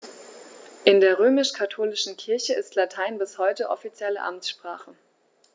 In der römisch-katholischen Kirche ist Latein bis heute offizielle Amtssprache.